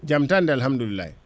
jaam tan de alhamdulillahi